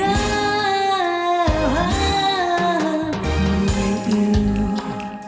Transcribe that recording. ơ ờ hớ ơ ờ người yêu